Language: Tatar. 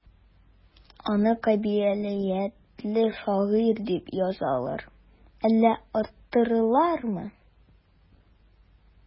Аны кабилиятле шагыйрь дип язалар, әллә арттыралармы?